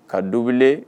Ka du